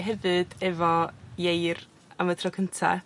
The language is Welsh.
...hefyd efo ieir am y tro cynta